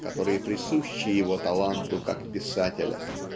которые присущи его таланту как писателя.